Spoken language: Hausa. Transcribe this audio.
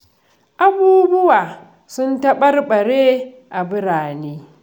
Abubuwa sun taɓarɓare a birane